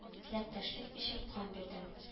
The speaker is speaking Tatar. Теләктәшлек өчен кан бирдем